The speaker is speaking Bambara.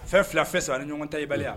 Fɛn fila fɛ saba ni ɲɔgɔn ta ibaliya